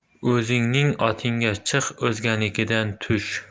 o'zingning otingga chiq o'zganikidan tush